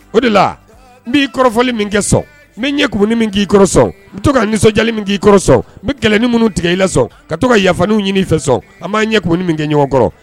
O de la n b'i kɔrɔfɔli min kɛ sɔn n ɲɛkumuni min k'i kɔrɔsɔn u to ka nisɔndiyali min k'i kɔrɔsɔ n bɛ kɛlɛ minnu tigɛ i lasɔ ka taga ka yafaw ɲini i fɛ sɔn an m'a ɲɛum min kɛ ɲɔgɔn kɔrɔ